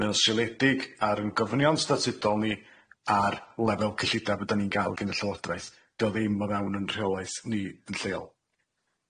mae o seledig ar yn gofynion statudol ni ar lefel cyllidab ydan ni'n ga'l gen y Llywodraeth. Dio ddim o fewn yn rheolaeth ni yn lleol.